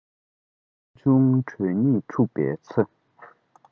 བློ ཆུང གྲོས ཉེས འཁྲུགས པའི ཚེ